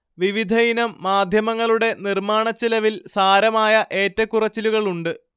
വിവിധയിനം മാധ്യമങ്ങളുടെ നിർമ്മാണച്ചെലവിൽ സാരമായ ഏറ്റക്കുറച്ചിലുകളുണ്ട്